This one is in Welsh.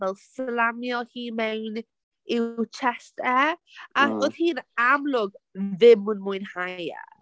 a fel slamio hi mewn i'w chest e a oedd hi'n amlwg ddim yn mwynhau e.